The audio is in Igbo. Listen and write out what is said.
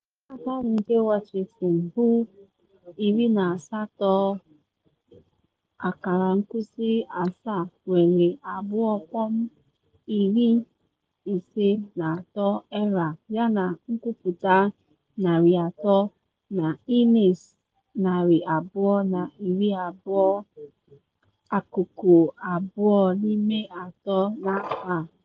Onye akanri nke Washington bụ 18-7 nwere 2.53 ERA yana nkụpụta 300 na ịnịns 220 2/3 n’afo a.